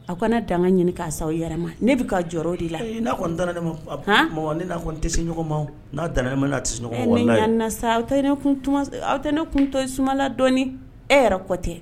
Aw kana dan ka ɲini k' sa aw yɛrɛ ma ne bɛ ka jɔ o de la' kɔni dama mɔgɔ ne la kɔni tɛ se ɲɔgɔnma n'a da la tɛ seɔgɔ na sa aw tɛ ne aw tɛ ne kunto sumaumala dɔɔnini e yɛrɛ kɔtɛ